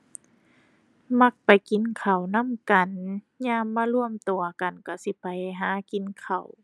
มักไปกินข้าวนำกัน ยามมารวมตัวกันก็สิไปหากินข้าว